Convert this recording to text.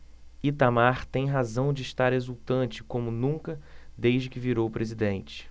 itamar tem razão de estar exultante como nunca desde que virou presidente